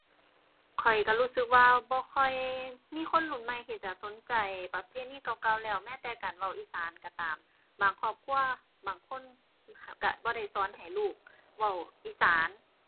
ข้อยก็รู้สึกว่าบ่ค่อยมีคนรุ่นใหม่ที่จะสนใจประเพณีเก่าเก่าแล้ว แม้แต่การเว้าอีสานก็ตาม บางครอบครัวบางคนก็บ่ได้สอนให้ลูกเว้าอีสาน